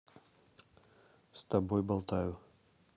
с тобой болтаю